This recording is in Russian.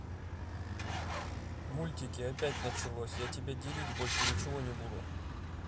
мультики опять началось я тебя делить больше ничего не буду